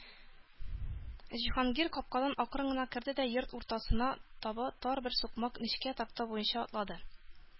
Җиһангир капкадан акрын гына керде дә йорт уртасына таба тар бер сукмак—нечкә такта буенча атлады.